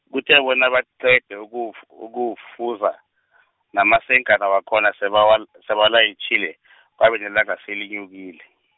kuthe bona baqede ukuwuf- ukuwufuza, namasenkana wakhona sebawal- sebalayitjhile , kwabe nelanga selenyukile.